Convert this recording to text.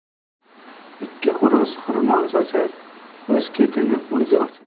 ikki xo'roz xirmon sochar o'z ketini o'zi ochar